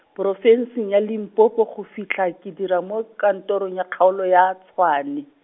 Porofenseng ya Limpopo go fitlha ke dira mo kantorong ya kgaolo ya Tshwane.